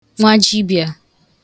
nwa jibịà